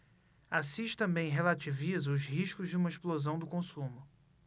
assis também relativiza os riscos de uma explosão do consumo